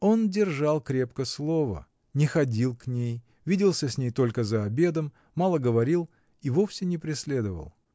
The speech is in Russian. Он держал крепко слово: не ходил к ней, виделся с ней только за обедом, мало говорил и вовсе не преследовал.